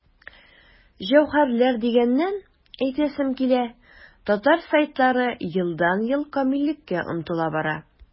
Җәүһәрләр дигәннән, әйтәсем килә, татар сайтлары елдан-ел камиллеккә омтыла бара.